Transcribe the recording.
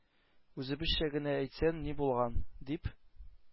Үзебезчә генә әйтсәң ни булган? - дип,